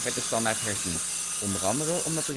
de standaard herzien, onder andere omdat